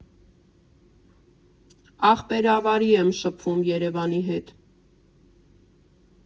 Ախպերավարի եմ շփվում Երևանի հետ։